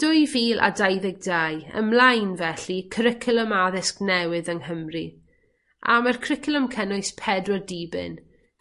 Dwy fil a dau ddeg dau, ymlaen felly, cwricwlwm addysg newydd yng Nghymru a my'r cwricwlwm cynnwys pedwar dibyn